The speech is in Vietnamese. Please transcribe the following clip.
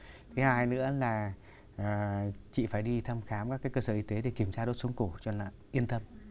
cái hai nữa là à chị phải đi thăm khám các cái cơ sở y tế để kiểm tra đốt sống cổ cho là yên tâm